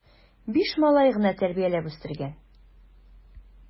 Биш малай гына тәрбияләп үстергән!